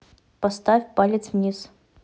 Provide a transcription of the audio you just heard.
поставь палец вниз